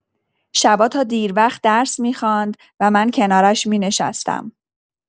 شبا تا دیر وقت درس می‌خواند و من کنارش می‌نشستم.